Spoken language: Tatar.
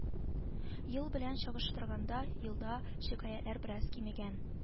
Ел белән чагыштырганда елда шикаятьләр бераз кимегән